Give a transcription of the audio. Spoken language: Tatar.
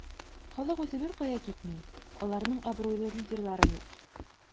Халык үзе беркая китми, аларның абруйлы лидерлары юк.